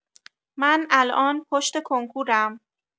من الان پشت کنکورم